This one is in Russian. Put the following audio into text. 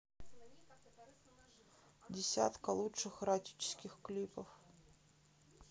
десятка лучших эротических клипов